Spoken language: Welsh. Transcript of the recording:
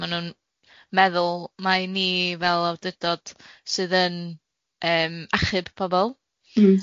Ma' nw'n meddwl mai ni fel awdurdod sydd yn yym achub pobol.